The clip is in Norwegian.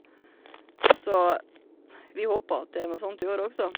Så vi håper at det er noe sånt i år også.